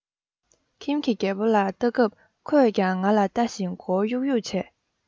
ཁྱིམ གྱི རྒད པོ ལ ལྟ སྐབས ཁོས ཀྱང ང ལ ལྟ བཞིན མགོ བོ གཡུག གཡུག བྱེད